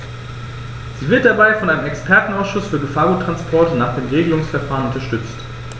Sie wird dabei von einem Expertenausschuß für Gefahrguttransporte nach dem Regelungsverfahren unterstützt.